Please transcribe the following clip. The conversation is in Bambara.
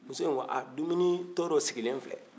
muso in ko a duminitɔ dɔ sigilen filɛ